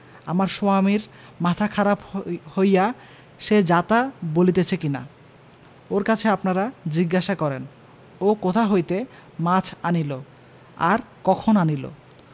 আমার সোয়ামীর মাথা খারাপ হইয়া সে যাতা বলিতেছে কিনা ওর কাছে আপনারা জিজ্ঞাসা করেন ও কোথা হইতে মাছ আনিল আর কখন আনিল